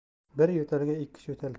bir yo'talga ikki cho'tal